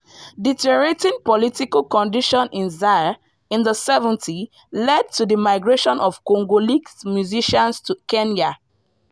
Deteriorating political conditions in Zaire in the 70s led to the migration of Congolese musicians to Kenya.